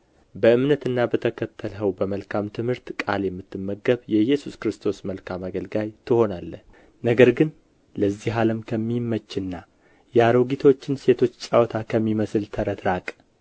በእምነትና በተከተልኸው በመልካም ትምህርት ቃል የምትመገብ የኢየሱስ ክርስቶስ መልካም አገልጋይ ትሆናለህ ነገር ግን ለዚህ ዓለም ከሚመችና የአሮጊቶችን ሴቶች ጨዋታ ከሚመስለው ተረት ራቅ